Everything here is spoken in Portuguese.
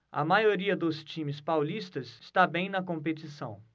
a maioria dos times paulistas está bem na competição